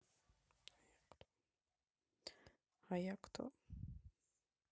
а я кто